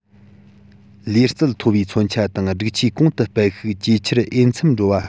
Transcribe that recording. ལག རྩལ མཐོ བའི མཚོན ཆ དང སྒྲིག ཆས གོང དུ སྤེལ ཤུགས ཇེ ཆེར འོས འཚམ འགྲོ བ